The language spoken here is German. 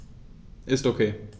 Ist OK.